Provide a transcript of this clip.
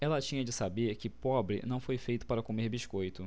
ela tinha de saber que pobre não foi feito para comer biscoito